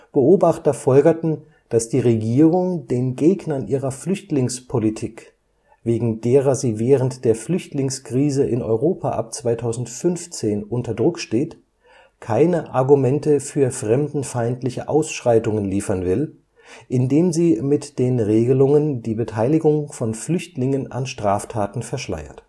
Beobachter folgerten, dass die Regierung den Gegnern ihrer Flüchtlingspolitik, wegen derer sie während der Flüchtlingskrise in Europa ab 2015 unter Druck steht, keine Argumente für fremdenfeindliche Ausschreitungen liefern will, indem sie mit den Regelungen die Beteiligung von Flüchtlingen an Straftaten verschleiert